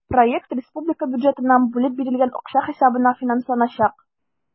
Проект республика бюджетыннан бүлеп бирелгән акча хисабына финансланачак.